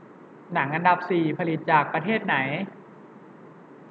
หนังอันดับสี่ผลิตจากประเทศไหน